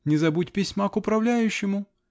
Не забудь письма к управляющему!